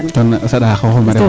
To saɗa xooxof